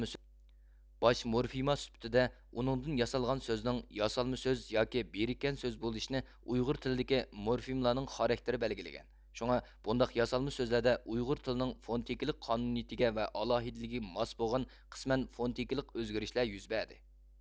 باش مورفېما سۈپىتىدە ئۇنىڭدىن ياسالغان سۆزنىڭ ياسالما سۆز ياكى بىرىككەن سۆز بولۇشىنى ئۇيغۇر تىلىدىكى مورفېملارنىڭ خاراكتېرى بەلگىلىگەن شۇڭا بۇنداق ياسالما سۆزلەردە ئۇيغۇر تىلىنىڭ فونېتىكىلىق قانۇنىيىتىگە ۋە ئالاھىدىلىكىگە ماس بولغان قىسمەن فونېتىكىلىق ئۆزگىرىشلەر يۈز بەردى